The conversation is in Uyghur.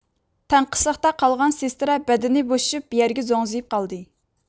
تەڭقىسلىقتا قالغان سېسترا بەدىنى بوشىشىپ يەرگە زوڭزىيىپ قالدى